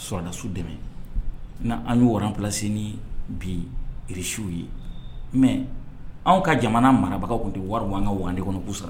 Sɔrɔdasiw dɛmɛ n' an ye w plasi ni bi kirisiww ye mɛ anw ka jamana marabagaw tun de wari'an ka wwanden kɔnɔ'u sara